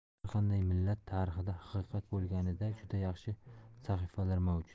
har qanday millat tarixida haqiqat bo'lganida juda yaxshi sahifalar mavjud